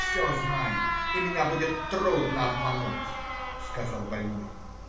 Я все знаю, и меня будет трудно обмануть, - сказал больной.